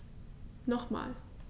Nochmal.